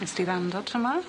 Nest ti wrando tor 'ma?